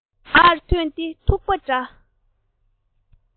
མར ཐོན ཏེ ཐུག པ འདྲ